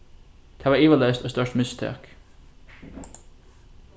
tað var ivaleyst eitt stórt mistak